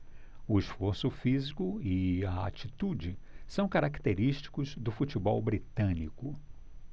o esforço físico e a atitude são característicos do futebol britânico